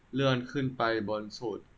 เลื่อนขึ้นไปบนสุด